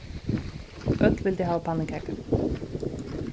øll vildu hava pannukaku